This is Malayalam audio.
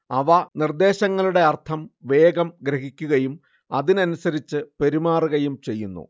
അവ നിർദ്ദേശങ്ങളുടെ അർത്ഥം വേഗം ഗ്രഹിക്കുകയും അതിനനുസരിച്ച് പെരുമാറുകയും ചെയ്യുന്നു